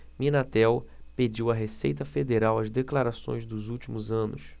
minatel pediu à receita federal as declarações dos últimos anos